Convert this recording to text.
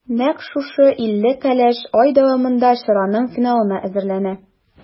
Нәкъ шушы илле кәләш ай дәвамында чараның финалына әзерләнә.